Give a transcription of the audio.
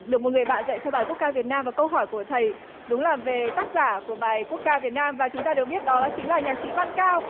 được một người bạn dạy cho bài quốc ca việt nam và câu hỏi của thầy đúng là về tác giả của bài quốc ca việt nam và chúng ta đều biết đó chính là nhạc sĩ văn cao